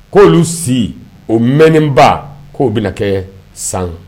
K'olu si o mɛnenba k'u bɛ kɛ san